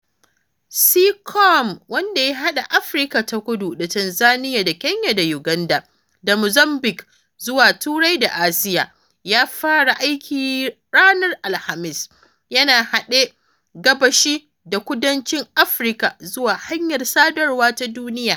Seacom, wanda ya haɗa Afirka ta Kudu da Tanzania da Kenya da Uganda da Mozambique zuwa Turai da Asiya, ya fara aiki a ranar Alhamis, yana haɗe gabashi da kudancin Afirka zuwa hanyar sadarwa ta duniya.